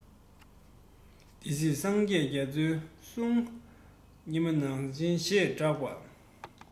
སྡེ སྲིད སངས རྒྱས རྒྱ མཚོའི གསུང ཉི མ ནག ཆེན ཞེས གྲགས པ